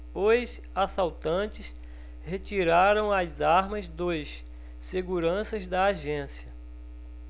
os assaltantes retiraram as armas dos seguranças da agência